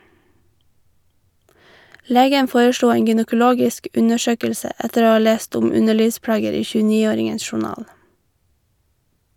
Legen foreslo en gynekologisk undersøkelse etter å ha lest om underlivsplager i 29-åringens journal.